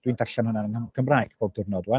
Dwi'n darllen hwnna'n Gymraeg bob diwrnod ŵan.